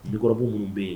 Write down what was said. Nii kɔrɔfɔ minnu bɛ yen